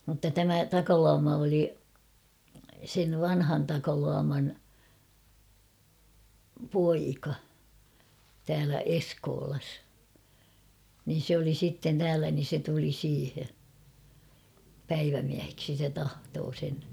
mutta tämä Takaluoma oli sen vanhan Takaluoman poika täällä Eskolassa niin se oli sitten täällä niin se tuli siihen päivämieheksi se tahtoi sen